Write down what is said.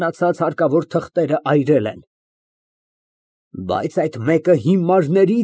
Երեկոները ես տխրում եմ ու հուզվում և միշտ այս եղանակը հիշում։ ԲԱԳՐԱՏ ֊ Եվ նվագում ես պոետիկական մթության մեջ, որպես իդեալական սիրահար։